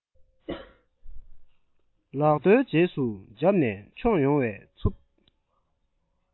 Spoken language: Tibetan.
ལག རྡོའི རྗེས སུ འཇབ ནས མཆོངས ཡོང བའི འཚུབ